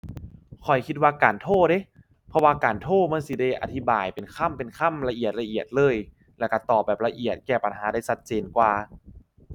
ข้อยคิดว่าการโทรเดะ เพราะว่าการโทรมันสิได้อธิบายเป็นคำเป็นคำละเอียดละเอียดเลย แล้วก็ตอบแบบละเอียดแก้ปัญหาได้ก็เจนกว่า